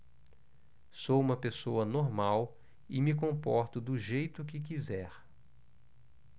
sou homossexual e me comporto do jeito que quiser